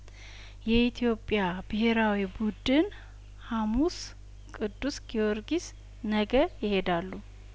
የኢትዮጵያ ብሄራዊ ቡድን ሀሙስ ቅዱስ ጊዮርጊስ ነገ ይሄዳሉ